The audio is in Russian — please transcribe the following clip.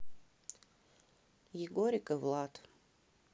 егорик и влад